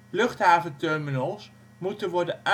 luchthaventerminals moeten worden